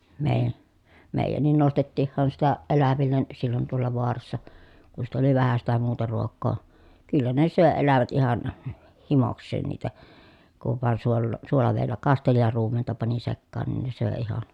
- meidänkin nostettiinhan sitä eläville silloin tuolla vaarassa kun sitten oli vähän sitä muuta ruokaa kyllä ne söi elävät ihan - himokseen niitä kun vain - suolavedellä kasteli ja ruumenta pani sekaan niin se söi ihan